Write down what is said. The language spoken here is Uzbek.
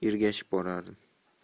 ishi bo'lmay qolgandi